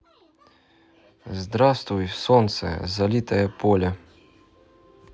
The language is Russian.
здравствуй солнце залитое поле